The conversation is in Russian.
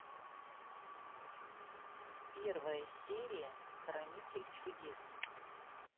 первая серия хранитель чудес